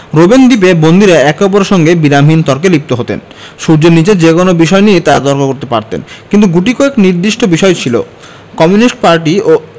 Robben দ্বীপে বন্দীরা একে অপরের সঙ্গে বিরামহীন তর্কে লিপ্ত হতেন সূর্যের নিচে যেকোনো বিষয় নিয়েই তাঁরা তর্ক করতে পারতেন কিন্তু গুটিকয়েক নির্দিষ্ট বিষয় ছিল কমিউনিস্ট পার্টি ও